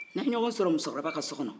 n'an ye ɲɔgɔ sɔrɔ musokɔrɔba ka so kɔnɔ